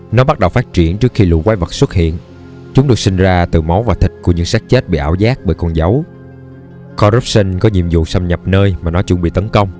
nó bắt đầu phát triển trước khi lũ quái vật xuất hiện chúng được sinh ra từ máu và thịt của những xác chết bị ảo giác bởi con dấu corruption có nhiệm vụ xâm nhập nơi mà nó chuẩn bị tấn công